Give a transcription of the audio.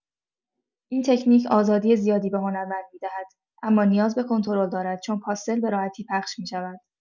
این تکنیک آزادی زیادی به هنرمند می‌دهد، اما نیاز به کنترل دارد چون پاستل به‌راحتی پخش می‌شود.